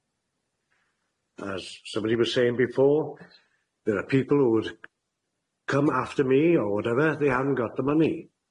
As somebody was saying before, there are people who would come after me or whatever, they hadn't got the money.